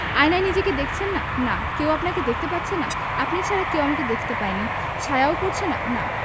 আয়নায় নিজেকে দেখছেন না না কেউ আপনাকে দেখতে পাচ্ছে না আপনি ছাড়া কেউ আমাকে দেখতে পায়নি ছায়াও পড়ছে না না